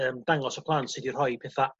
yym dangos y plant sud i rhoi petha